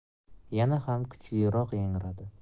yana ham kuchliroq yangradi